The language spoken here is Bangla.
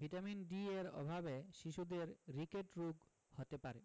ভিটামিন D এর অভাবে শিশুদের রিকেট রোগ হতে পারে